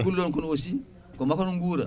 kullon kon aussi ko makon guura